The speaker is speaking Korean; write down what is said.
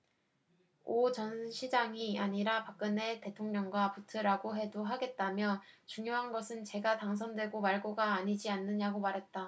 오 전 시장이 아니라 박근혜 대통령과 붙으라고 해도 하겠다며 중요한 것은 제가 당선되고 말고가 아니지 않느냐고 말했다